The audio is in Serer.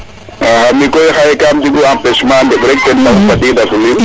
axa mi koy xaye kam jeg u empechement ndeɓrek ten tax fadida fulim